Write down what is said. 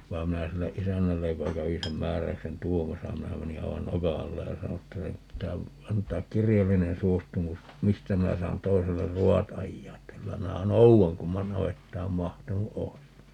vaan minä sille isännälle joka kävi sen määräyksen tuomassa minä menin aivan nokan alle ja sanoin että nyt pitää antaa kirjallinen suostumus mistä minä saan toiselle ruoat ajaa että kyllä minä noudan kumman navettaan mahtunut olisi